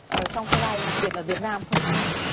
ờ trong tương lai đặc biệt là việt nam không